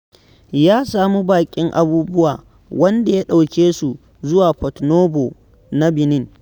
Ya samu baƙin abubuwa waɗanda ya ɗauke su zuwa Porto-Noɓo, Benin.